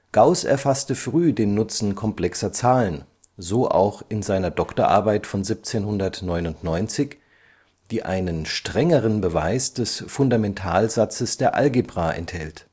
Gauß erfasste früh den Nutzen komplexer Zahlen, so auch in seiner Doktorarbeit von 1799, die einen strengeren Beweis des Fundamentalsatzes der Algebra enthält